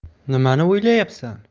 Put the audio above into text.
nimani o'ylayapsan